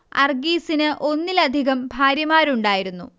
അർഗീസിന് ഒന്നിലധികം ഭാര്യമാരുണ്ടായിരുന്നു